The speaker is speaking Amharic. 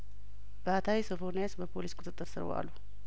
ባህታዊ ሶፎኒያስ በፖሊስ ቁጥጥር ስር ዋሉ